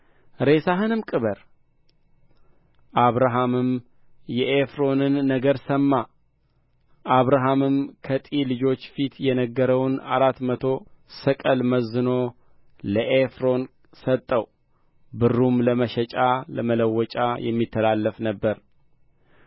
ሬሳህንም ቅበር አብርሃምም የኤፍሮንን ነገር ሰማ አብርሃምም በኬጢ ልጆች ፊት የነገረውን አራት መቶ ሰቅል መዝኖ ለኤፍሮን ሰጠው ብሩም ለመሸጫ ለመለወጫ የሚተላለፍ ነበረ